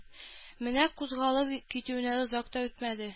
Менә кузгалып китүенә озак та үтмәде